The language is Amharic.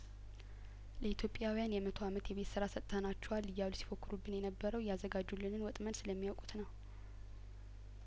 ለኢትዮጵያውያን የመቶ አመት የቤት ስራ ሰጥተናቸዋል እያሉ ሲፎክሩብን የነበረው ያዘጋጁልንን ወጥመድ ስለሚያውቁት ነው